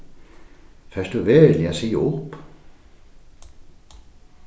fert tú veruliga at siga upp